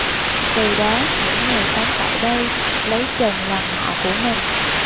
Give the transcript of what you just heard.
từ đó những người sống tại đây lấy trần làm họ của mình